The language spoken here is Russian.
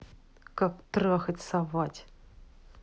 как трахать совать